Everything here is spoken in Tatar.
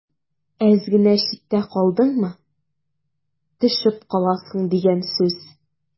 Әз генә читтә калдыңмы – төшеп каласың дигән сүз.